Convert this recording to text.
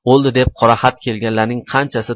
o'ldi deb qoraxat kelganlarning qanchasi